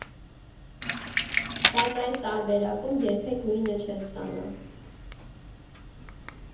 Բայց այս տարբերակում երբեք նույնը չես ստանա։